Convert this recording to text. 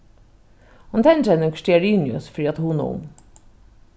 hon tendraði nøkur stearinljós fyri at hugna um